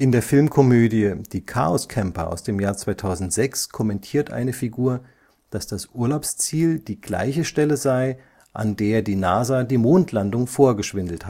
der Filmkomödie Die Chaoscamper (2006) kommentiert eine Figur, dass das Urlaubsziel die gleiche Stelle sei, an der die NASA die Mondlandung vorgeschwindelt